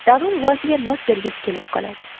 tag'in buvasiga nos bergisi kelib qoladi